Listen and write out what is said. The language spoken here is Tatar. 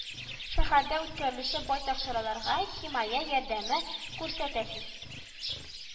Шәһәрдә үткәрелүче байтак чараларга химая ярдәме күрсәтәсез